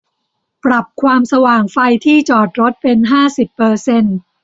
ปรับความสว่างไฟที่จอดรถเป็นห้าสิบเปอร์เซ็นต์